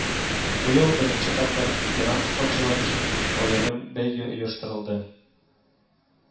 Быел беренче тапкыр ветеран спортчылар өчен аерым бәйге оештырылды